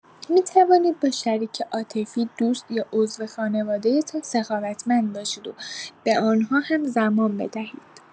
می‌توانید با شریک عاطفی، دوست یا عضو خانواده‌تان سخاوتمند باشید و به آن‌ها هم‌زمان بدهید.